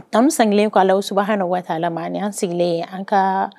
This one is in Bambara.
Tama san kelen k'a la suba na waati la ma an sigilen an ka